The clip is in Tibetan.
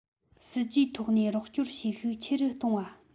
སྲིད ཇུས ཐོག ནས རོགས སྐྱོར བྱེད ཤུགས ཆེ རུ གཏོང བ